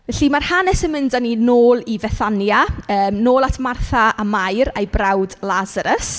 Felly ma'r hanes yn mynd â ni nôl i Fethania yy nôl at Martha a Mair a'u brawd Lasarus.